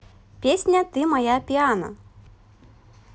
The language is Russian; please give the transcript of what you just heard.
песня ты моя пиано